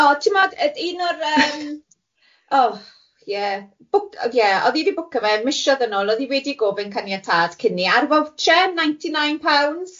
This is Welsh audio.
O timod yd- un o'r yym o ie bwc- ie oedd hi di bwcio fe mishoedd yn ôl oedd hi wedi gofyn caniatâd cyn i, ar Wowcher, ninety nine pounds.